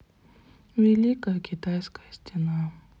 великая китайская стена